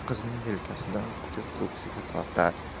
qizning yelkasidan quchib ko'ksiga tortar